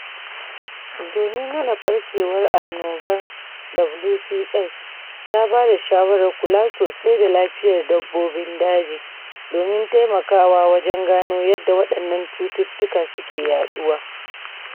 Domin hana ɓarkewar babbar annoba, WCS ta ba da shawarar kulawa sosai da lafiyar dabbobin daji domin taimakawa wajen gano yadda waɗannan cutukan suke yaɗuwa.